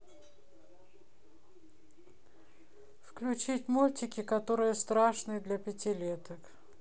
включить мультики которые страшные для пятилеток